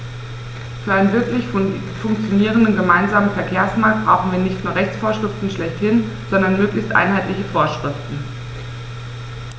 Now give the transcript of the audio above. Für einen wirklich funktionierenden gemeinsamen Verkehrsmarkt brauchen wir nicht nur Rechtsvorschriften schlechthin, sondern möglichst einheitliche Vorschriften.